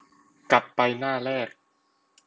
กลับไปหน้าแรก